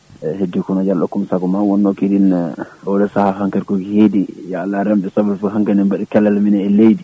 eyyi ko heddi ko noon yo Allah hokkuma saagoma wonno ko min o ɗo saaha hankkadi koko heedi ya laranɓe soble foof hankkadi mbaɗi kelal mumen e leydi